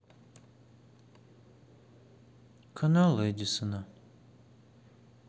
канал эдисона